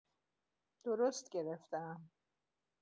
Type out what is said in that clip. درست گرفته‌ام؟!